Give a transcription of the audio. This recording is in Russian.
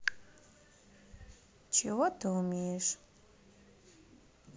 чего ты умеешь